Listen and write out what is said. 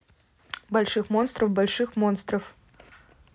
больших монстров больших монстров